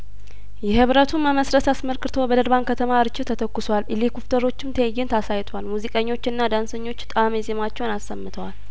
የህብረቱን መመስረት አስመልክቶ በደርባን ከተማ ርችት ተተኩሷል ሄሊኮፍተሮችም ትእይንት አሳይተዋል ሙዚቀኞችና ዳንሰኞች ጣእመ ዜማቸውን አሰምተዋል